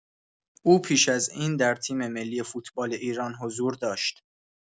او پیش از این در تیم‌ملی فوتبال ایران حضور داشت.